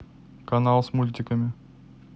канал с мультиками